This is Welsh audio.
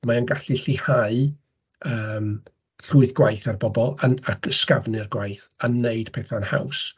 Mae'n gallu lleihau, yym, llwyth gwaith ar bobl ac ysgafnu'r gwaith a wneud pethau'n haws.